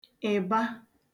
ị̀ba